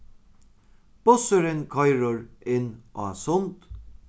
bussurin koyrir inn á sund